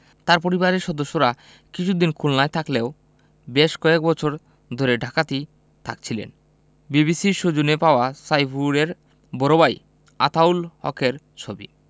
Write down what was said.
তাঁর পরিবারের সদস্যরা কিছুদিন খুলনায় থাকলেও বেশ কয়েক বছর ধরে ঢাকাতেই থাকছিলেন বিবিসির সৌজন্যে পাওয়া সাইফুরের বড় ভাই আতাউল হকের ছবি